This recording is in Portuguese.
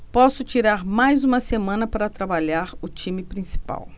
posso tirar mais uma semana para trabalhar o time principal